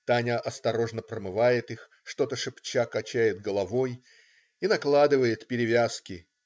Таня осторожно промывает их, что-то шепча, качает головой и накладывает перевязки.